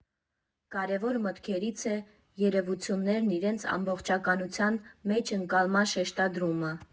Կարևոր մտքերից է երևույթներն իրենց ամբողջականության մեջ ընկալման շեշտադրումը։